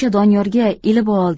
doniyorga ilib ol